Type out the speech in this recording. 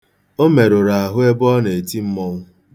O merụrụ ahụ ebe ọ na-eti mmọnwụ.